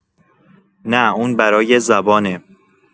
نه اون برای زبانه